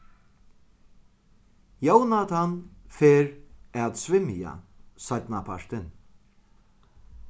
jónatan fer at svimja seinnapartin